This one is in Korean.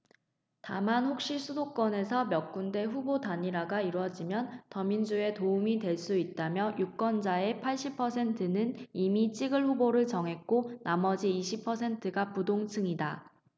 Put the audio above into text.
다만 혹시 수도권에서 몇 군데 후보 단일화가 이뤄지면 더민주에 도움이 될 수 있다며 유권자의 팔십 퍼센트는 이미 찍을 후보를 정했고 나머지 이십 퍼센트가 부동층이다